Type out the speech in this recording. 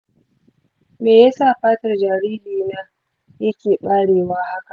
meyasa fatar jaririna yake ɓarewa haka?